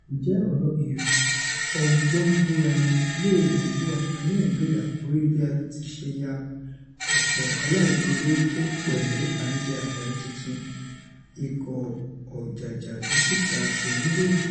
Ǹjẹ́ ọ̀rọ̀ ìfọgbọ́nbúraẹni léèébu apanilẹ́ẹ̀rín lórí àkòrí bí a tiṣe ya ọ̀pọ̀ aláìníyelórí tó pẹ̀lu pé a ńjẹ ànfààní tuntun ìkó-ọjàjádesíta ti orilẹ̵-ede?